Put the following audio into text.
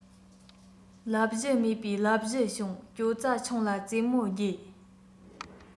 ལབ གཞི མེད པའི ལབ གཞི བྱུང གྱོད རྩ ཆུང ལ རྩེ མོ རྒྱས